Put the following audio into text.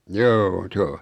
joo se on